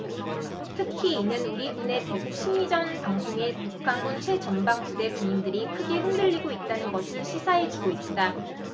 특히 이는 우리 군의 대북 심리전방송에 북한군 최전방부대 군인들이 크게 흔들리고 있다는 것을 시사해주고 있다